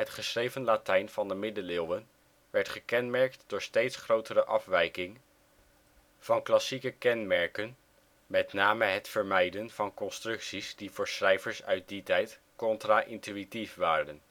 geschreven Latijn van de middeleeuwen werd gekenmerkt door steeds grotere afwijking van klassieke kenmerken, met name het vermijden van constructies die voor schrijvers uit die tijd contra-intuïtief waren